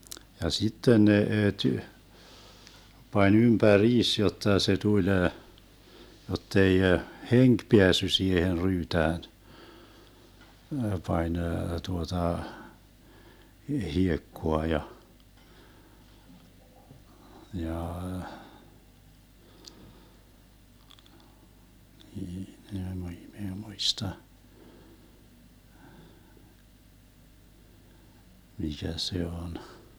ja sitten ne - pani ympäriinsä jotta se tuli jotta ei henki päässyt siihen ryytään pani tuota hiekkaa ja jaa minä ei muista mikä se on